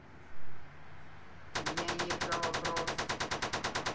я не про вопрос